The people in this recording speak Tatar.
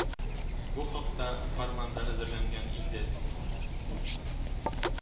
Бу хакта фәрман да әзерләнгән инде